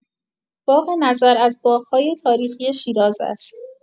باغ نظر از باغ‌های تاریخی شیراز است.